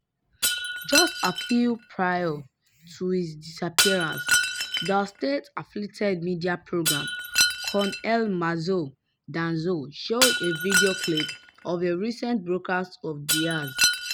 Just a few days prior to his disappearance, the state-affiliated media program Con el Mazo Dando showed a video clip of a recent broadcast of Diaz.